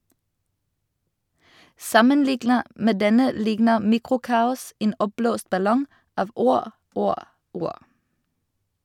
Sammenliknet med denne likner "Mikrokaos" en oppblåst ballong av ord, ord, ord.